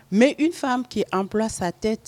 Mɛ ifa k' an bila sa tɛ ten